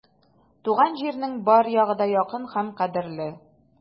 Туган җирнең бар ягы да якын һәм кадерле.